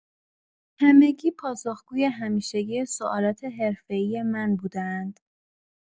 همگی پاسخگوی همیشگی سوالات حرفه‌ای من بوده‌اند.